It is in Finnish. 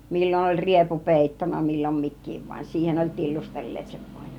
milloin oli riepu peittona milloin mikin vaan siihen oli tillustelleet sen voin